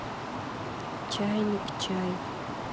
чайник чай